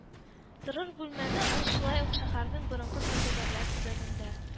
Торыр бүлмәне ул шулай ук шәһәрнең борынгы сәүдәгәрләр төбәгендә